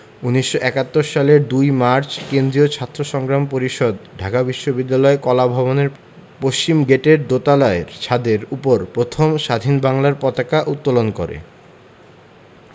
১৯৭১ সালের ২ মার্চ কেন্দ্রীয় ছাত্র সংগ্রাম পরিষদ ঢাকা বিশ্ববিদ্যালয় কলাভবনের পশ্চিমগেটের দোতলার ছাদের উপর প্রথম স্বাধীন বাংলার পতাকা উত্তোলন করে